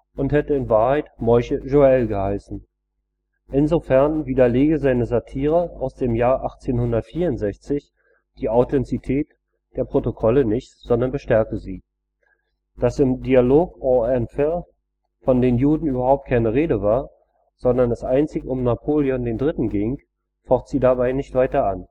und hätte in Wahrheit „ Moïse Joël “geheißen. Insofern widerlege seine Satire aus dem Jahr 1864 die Authentizität der Protokolle nicht, sondern bestärke sie. Dass im Dialogue aux enfers … von den Juden überhaupt keine Rede war, sondern es einzig um Napoleon III. ging, focht sie dabei nicht an